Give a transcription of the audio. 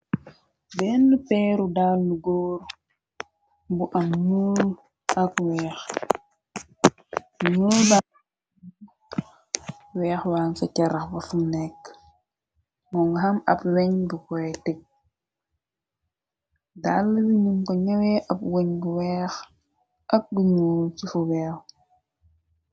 Benna peeru daala góor bu am nuul ak weex nuul ban weex waan sa carax ba fum neka mongi am xam ab weñ bu kooy tig dal wi num ko ñewee ab ak wun bu weex ak bu nuul.